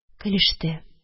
Көлеште.